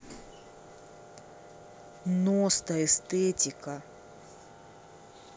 nosta эстетика